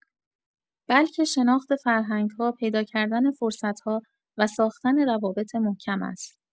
بلکه شناخت فرهنگ‌ها، پیدا کردن فرصت‌ها و ساختن روابط محکم است.